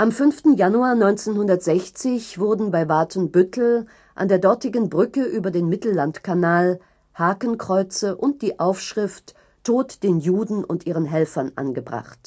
5. Januar 1960 wurden bei Watenbüttel an der dortigen Brücke über den Mittellandkanal Hakenkreuze und die Aufschrift „ Tod den Juden und ihren Helfern “angebracht